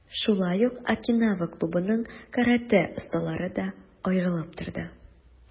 Шулай ук, "Окинава" клубының каратэ осталары да аерылып торды.